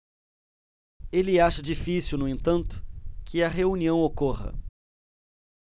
ele acha difícil no entanto que a reunião ocorra